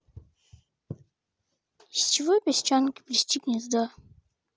из чего песчанке плести гнезда